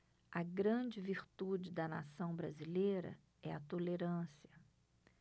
a grande virtude da nação brasileira é a tolerância